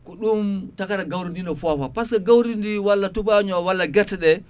ko ɗum tagata gawri ndi no fofa par ce que gawri ndi walla tubaño o walla guerte ɗe